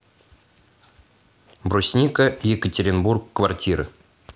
брусника екатеринбург квартиры